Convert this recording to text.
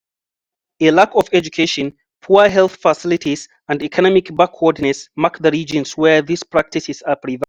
A lack of education, poor health facilities and economic backwardness mark the regions where these practices are prevalent.